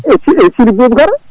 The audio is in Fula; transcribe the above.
e Thili Thili Boubacara